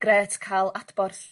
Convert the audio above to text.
grêt ca'l adborth